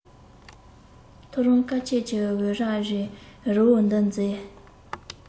ཐོ རངས སྐར ཆེན གྱི འོད རབ རིབ རི བོ འདིར འཛེགས